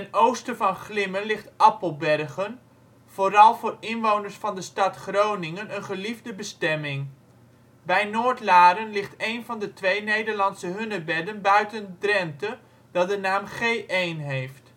oosten van Glimmen ligt Appelbergen, vooral voor inwoners van de stad Groningen een geliefde bestemming. Bij Noordlaren ligt een van de twee Nederlandse hunebedden buiten Drenthe, dat de naam G1 heeft